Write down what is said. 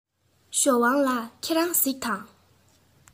ཞའོ ཝང ལགས ཁྱེད རང གཟིགས དང